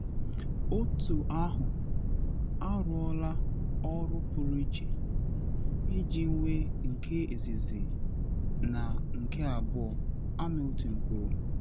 Otu ahụ arụọla ọrụ pụrụ iche iji nwee nke izizi na nke abụọ,” Hamilton kwuru.